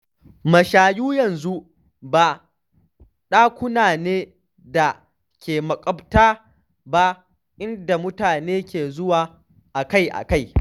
“Mashayu yanzu ba ɗakuna ne da ke makwaɓta ba inda mutane ke zuwa a-kai-a-kai.”